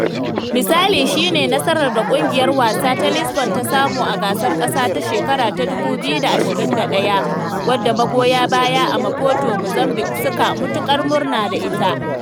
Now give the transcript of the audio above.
Misali shi ne nasarar da ƙungiyar wasa ta Lisbon ta samu a gasar ƙasa ta 2021, wadda magoya baya a Maputo (Mozambique) suka matuƙar murna da ita.